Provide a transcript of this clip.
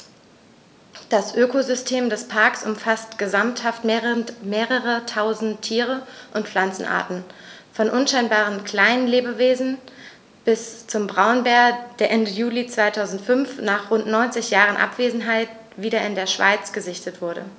Das Ökosystem des Parks umfasst gesamthaft mehrere tausend Tier- und Pflanzenarten, von unscheinbaren Kleinstlebewesen bis zum Braunbär, der Ende Juli 2005, nach rund 90 Jahren Abwesenheit, wieder in der Schweiz gesichtet wurde.